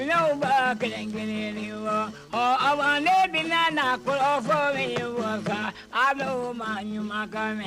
Ɲɔw ka kelen kelen bɔ ɔden bɛ na kolo min a ma ɲuman mɛn